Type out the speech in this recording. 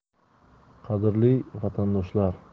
qadrli vatandoshlar